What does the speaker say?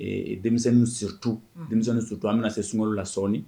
Denmisɛnnin sutu denmisɛnnin sutu an bɛna na se sumaworo la skɔni